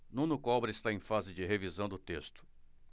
nuno cobra está em fase de revisão do texto